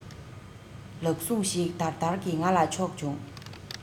ལག ཟུང ཞིག འདར འདར གྱིས ང ལ ཕྱོགས བྱུང